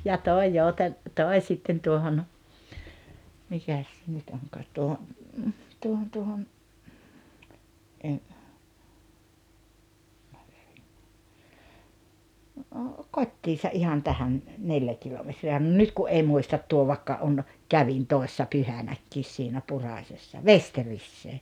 ja tuo - tuo sitten tuohon mikäs se nyt onkaan tuohon tuohon tuohon kotiinsa ihan tähän neljä kilometriä no nyt kun ei muista tuo vaikka on kävin toissa pyhänäkin siinä Purasessa Vesteriseen